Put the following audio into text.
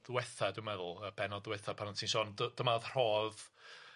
ddwetha dwi meddwl y bennod dwetha pan o'n ti'n sôn dy- dyma o'dd rhodd